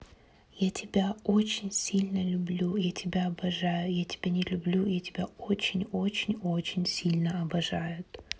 я тебя очень сильно люблю я тебя обожаю я тебя не люблю я тебя очень очень очень сильно обожают